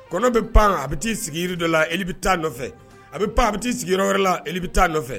Kɔnɔ bɛ pan a bɛ t'i sigi dɔ la i bɛ taa nɔfɛ a bɛ pan a bɛ' i sigiyɔrɔ wɛrɛ la i bɛ taa nɔfɛ